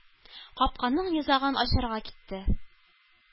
Капканың йозагын ачарга китте.